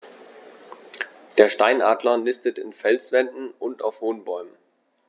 Der Steinadler nistet in Felswänden und auf hohen Bäumen.